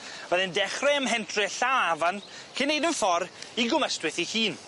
Ma' fe'n dechre ym mhentre Lla Afan cyn neud yn ffor' i Gwm Ystwyth ei hun.